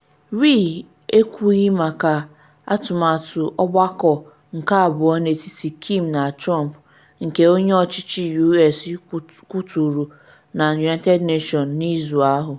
Ri ekwughị maka atụmatụ ọgbakọ nke abụọ n’etiti Kim na Trump nke onye ọchịchị U.S kwuturu na United Nation n’izu ahụ.